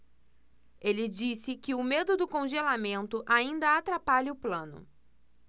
ele disse que o medo do congelamento ainda atrapalha o plano